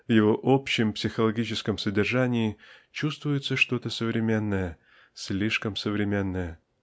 в его общем психологическом содержании чувствуется что-то современное слишком современное.